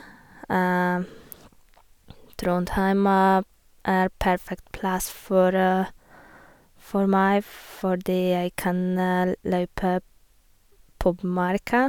Trondheim er perfekt plass for for meg, fordi jeg kan l løpe på Bymarka.